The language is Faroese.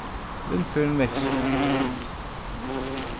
vindferðin veksur